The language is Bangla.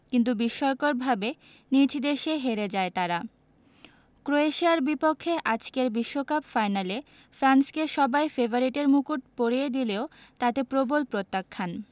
কিন্তু বিস্ময়করভাবে নিজ দেশে হেরে যায় তারা ক্রোয়েশিয়ার বিপক্ষে আজকের বিশ্বকাপ ফাইনালে ফ্রান্সকে সবাই ফেভারিটের মুকুট পরিয়ে দিলেও তাতে প্রবল প্রত্যাখ্যান